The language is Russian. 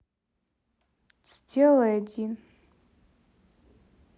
сделай один